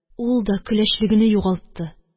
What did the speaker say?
Ул да көләчлегене югалтты,